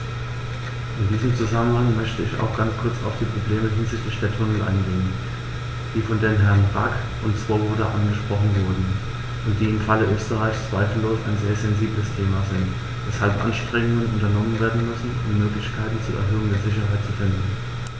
In diesem Zusammenhang möchte ich auch ganz kurz auf die Probleme hinsichtlich der Tunnel eingehen, die von den Herren Rack und Swoboda angesprochen wurden und die im Falle Österreichs zweifellos ein sehr sensibles Thema sind, weshalb Anstrengungen unternommen werden müssen, um Möglichkeiten zur Erhöhung der Sicherheit zu finden.